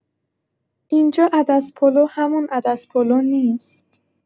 اینجا عدس‌پلو همون عدس‌پلو نیست.